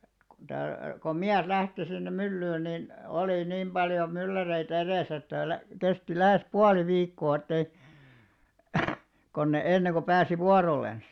kun - kun mies lähti sinne myllyyn niin oli niin paljon mylläreitä edessä että - kesti lähes puoli viikkoa että ei kun ne ennen kuin pääsi vuorollensa